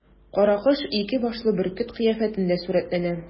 Каракош ике башлы бөркет кыяфәтендә сурәтләнә.